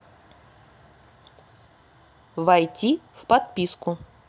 войти в подписку